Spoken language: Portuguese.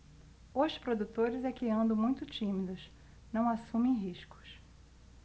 os produtores é que andam muito tímidos não assumem riscos